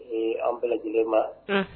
Ee an bɛɛ lajɛlen ma